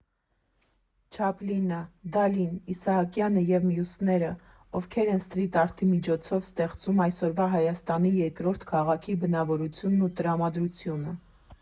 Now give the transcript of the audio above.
Չապլինը, Դալին, Իսահակյանը և մյուսները Ովքեր են սթրիթ արտի միջոցով ստեղծում այսօրվա Հայաստանի երկրորդ քաղաքի բնավորությունն ու տրամադրությունը։